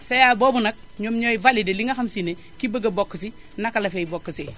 CA boobu nag ñoom ñooy validé li nga xam si ne ki bëgg a bokk si naka la fiy bokk see